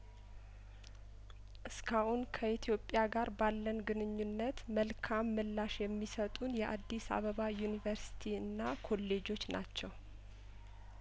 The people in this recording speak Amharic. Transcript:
እስካሁን ከኢትዮጵያ ጋር ባለን ግንኙነት መልካም ምላሽ የሚሰጡን የአዲስ አበባ ዩኒቨርስቲ እና ኮሌጆች ናቸው